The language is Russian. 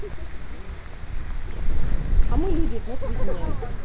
а мы люди это нас объединяет